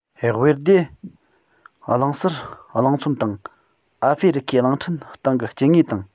ཝེར རྡེ གླིང ཟུར གླིང ཚོམ དང ཨ ཧྥེ རི ཁའི གླིང ཕྲན སྟེང གི སྐྱེ དངོས དང